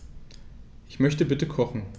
Ich möchte bitte kochen.